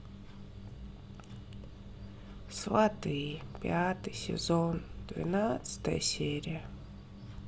сваты пятый сезон двенадцатая серия